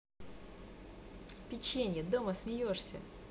печенья дома смеешься